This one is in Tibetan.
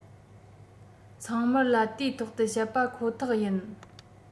ཚང མར ལ དུས ཐོག ཏུ བཤད པ ཁོ ཐག ཡིན